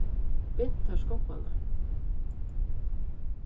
bint tær skógvarnar